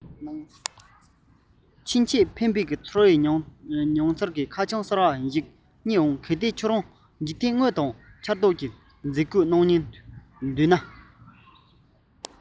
ཕྱིན ཆད ཕན པའི ཚོར བའི མྱོང བྱང གི ཁ བྱང གསར པ ཞིག རྙེད འོང གལ ཏེ ཁྱོད རང འཇིག རྟེན དངོས དང རྟོག འཆར གྱི མཛེས བཀོད ཀྱི སྣང བརྙན དུ བསྡུས ནས